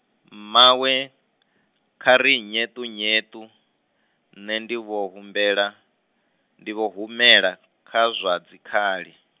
mmawe, kha ri nyeṱunyeṱu, nṋe ndi vho humbela, ndi vho humela , kha zwa dzikhali.